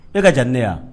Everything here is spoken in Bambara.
E ka jan ni ne ye wa?